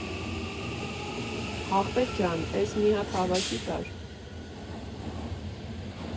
Ախպեր ջան, էս մի հատ հավաքի տար։